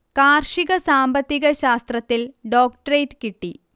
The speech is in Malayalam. കാർഷിക സാമ്പത്തിക ശാസ്ത്രത്തിൽ ഡോക്ടറേറ്റ് കിട്ടി